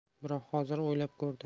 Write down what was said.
biroq hozir o'ylab ko'rdi